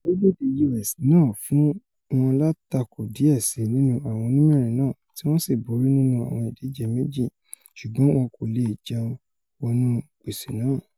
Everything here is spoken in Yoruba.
orílẹ̀-èdè U.S. náà fún wọn látakò díẹ̀ síi nínú àwọn onímẹ́rin náà, tíwọ́n sì borí nínú àwọn ìdíje méjì, ṣùgbọ́n wọn kò leè jẹun wọnú gbèsè náà.